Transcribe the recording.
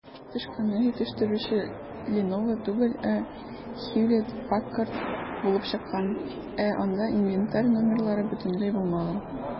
Тычканны җитештерүче "Леново" түгел, ә "Хьюлетт-Паккард" булып чыккан, ә анда инвентарь номерлары бөтенләй булмаган.